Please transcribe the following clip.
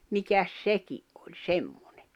mikäs sekin on semmoinen